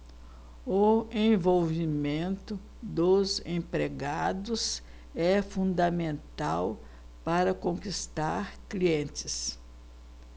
o envolvimento dos empregados é fundamental para conquistar clientes